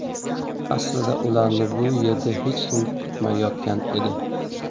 aslida ularni bu yerda hech kim kutmayotgan edi